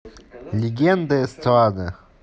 легенды эстрады